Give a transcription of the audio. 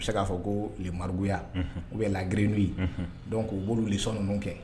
U bɛ se k'a fɔ ko makuya u bɛ lagrrinw ye don k'u wul so ninnu kɛ